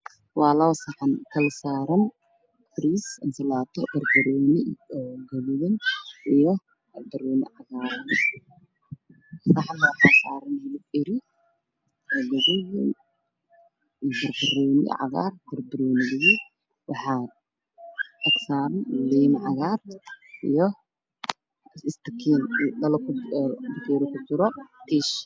meshaan waxa saran labo saxan bariis iyo galaato